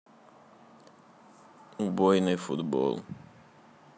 убойный футбол